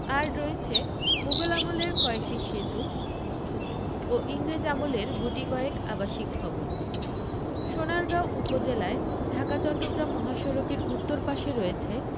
আর রয়েছে মুগল আমলের কয়েকটি সেতু ও ইংরেজ আমলের গুটিকয়েক আবাসিক ভবন সোনারগাঁও উপজেলায় ঢাকা চট্টগ্রাম মহাসড়কের উত্তর পাশে রয়েছে